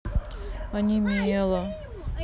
онемело